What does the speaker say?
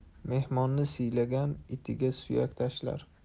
mehmonni siylagan itiga suyak tashlar